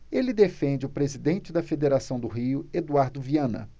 ele defende o presidente da federação do rio eduardo viana